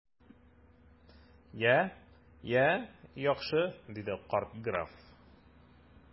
Я, я, яхшы! - диде карт граф.